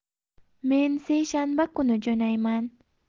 men seshanba kuni jo'nayman